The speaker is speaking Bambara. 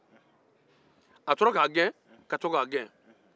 a tora k''a gɛn